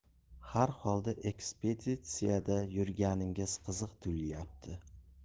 har holda ekspeditsiyada yurganingiz qiziq tuyulyapti